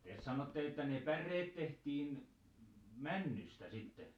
te sanotte että ne päreet tehtiin männystä sitten